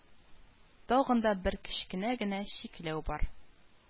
Тагын да бер кечкенә генә чикләү бар